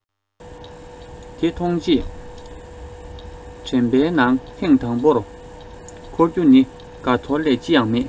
དེ མཐོང རྗེས དྲན པའི ནང ཐེངས དང པོར འཁོར རྒྱུ ནི དགའ ཚོར ལས ཅི ཡང མེད